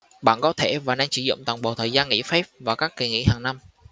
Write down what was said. bạn có thể và nên sử dụng toàn bộ thời gian nghỉ phép và các kỳ nghỉ hàng năm